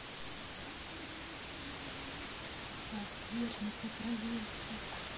стас ерник отравился